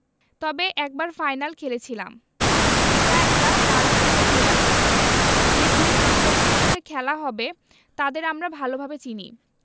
তবে একবার ফাইনাল খেলেছিলাম এটা একটা দারুণ সুযোগ হয়ে আসছে যে দুই প্রতিপক্ষের সঙ্গে খেলা হবে তাদের আমরা ভালোভাবে চিনি